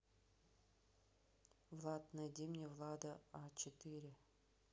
влад найди мне влада а четыре